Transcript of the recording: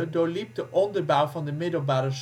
doorliep de onderbouw van de middelbare